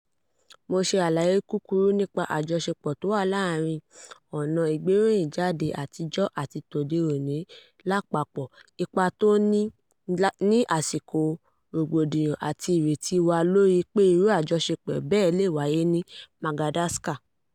Mo ṣe àlàyé kúkurú nípa àjọṣepọ̀ tó wà láàárin ọ̀nà ìgbéròyìn jáde àtijọ́ àti tòde òní lápapọ̀, ipa tó gbóòrò tó ní lásìkò rògbòdiyàn àti ìretí wa lóri pé irú ajọṣepọ̀ bẹ́ẹ̀ lè wáye ní Madagascar.